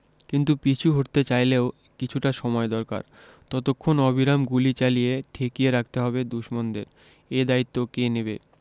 কিন্তু পিছু হটতে চাইলেও কিছুটা সময় দরকার ততক্ষণ অবিরাম গুলি চালিয়ে ঠেকিয়ে রাখতে হবে দুশমনদের এ দায়িত্ব কে নেবে